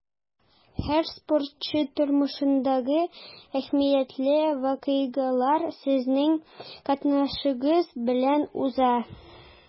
Һәр спортчы тормышындагы әһәмиятле вакыйгалар сезнең катнашыгыз белән уза.